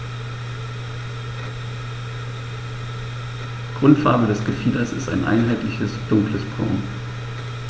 Grundfarbe des Gefieders ist ein einheitliches dunkles Braun.